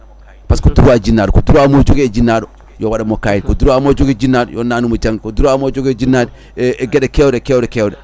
par ce que ko droit jinnaɗo ko droit mo jogui e jinnaɗo yo waɗanmo kayit ko droit mo jogui jinnaɗo yo nannumo jangde ko droit mo jogue jinnaɗo e e gueɗe kewɗe kewɗe kewɗe